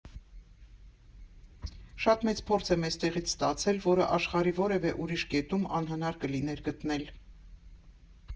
Շատ մեծ փորձ եմ էստեղից ստացել, որը աշխարհի որևէ ուրիշ կետում անհնար կլիներ գտնել։